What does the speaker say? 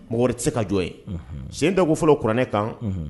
Mɔgɔ wɛrɛ te se ka jɔn yen. Sen da ko fɔlɔ kuranɛ kan?. unhun